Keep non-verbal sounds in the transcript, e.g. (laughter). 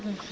(hesitation)